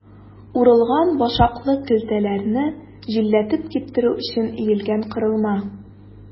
Урылган башаклы көлтәләрне җилләтеп киптерү өчен өелгән корылма.